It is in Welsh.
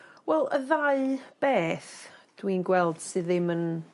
Wel, y ddau beth dwi'n gweld sy ddim yn